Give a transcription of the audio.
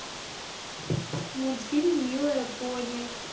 мультфильм милая пони